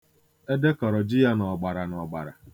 Ede kọrọ ji ya n'ọgbara n'ọgbara.